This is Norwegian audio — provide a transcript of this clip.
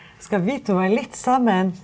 skal vi to være litt sammen?